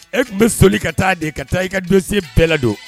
E tun bɛ so ka taa de ka taa i ka donsen bɛɛ la don